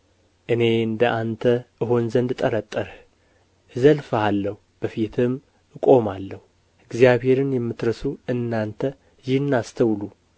እኔ እንደ አንተ እሆን ዘንድ ጠረጠርህ እዘልፍሃለሁ በፊትህም እቆማለሁ እግዚአብሔርን የምትረሱ እናንተ ይህን አስተውሉ